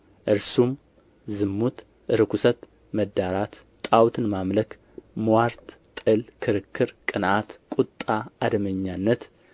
እርሱም ዝሙት ርኵሰት መዳራት ጣዖትን ማምለክ ምዋርት ጥል ክርክር ቅንዓት ቁጣ አድመኛነት